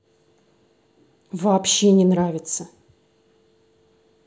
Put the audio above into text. вообще не нравится